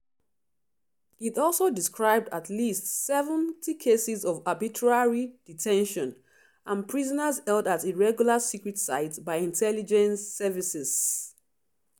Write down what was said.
It also described at least 70 cases of “arbitrary detention,” and prisoners held at irregular secret sites by intelligence services.